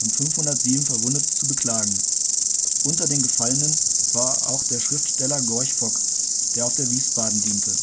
507 Verwundete zu beklagen. Unter den Gefallenen war auch der Schriftsteller Gorch Fock, der auf der Wiesbaden diente.